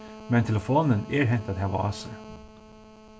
men telefonin er hent at hava á sær